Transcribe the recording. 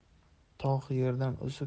tog' yerdan o'sib